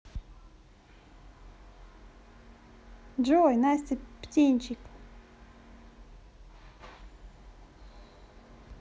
джой настя птенчик